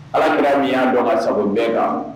Alakira min y'a dɔn ka sago bɛɛ kan